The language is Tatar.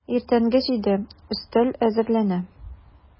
Иртәнге җиде, өстәл әзерләнә.